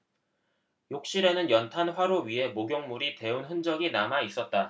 욕실에는 연탄 화로 위에 목욕물이 데운 흔적이 남아있었다